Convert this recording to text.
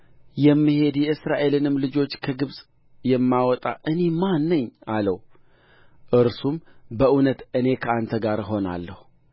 የምሄድ የእስራኤልንም ልጆች ከግብፅ የማወጣ እኔ ማን ነኝ አለው እርሱም በእውነት እኔ ከአንተ ጋር እሆናለሁ